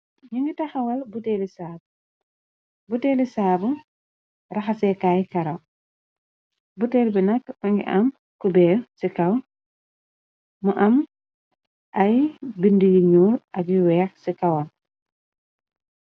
Nungi tahawal buteel li saabu, buteel li saabu rahasèkaay karaw. Buteel bi nak mungi am cubèr ci kaw, mu am ay bind yu ñuul ak yu weeh ci kawan.